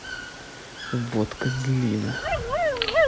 вот козлина